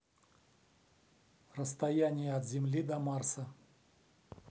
расстояние от земли до марса